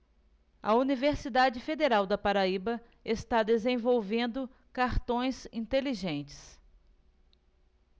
a universidade federal da paraíba está desenvolvendo cartões inteligentes